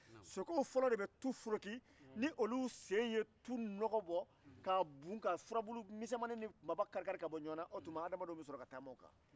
sokɛw fɔlɔ de bɛ tu foroki o kɔfɛ mɔgɔw bɛ don